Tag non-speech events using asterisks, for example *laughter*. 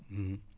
*hesitation* *hesitation*